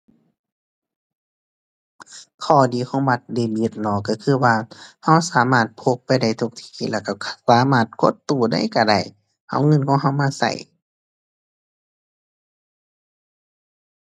ข้อดีของบัตรเดบิตเนาะ ก็คือว่า ก็สามารถพกไปได้ทุกที่แล้วก็ สามารถกดตู้ใดก็ได้ เอาเงินของก็มาก็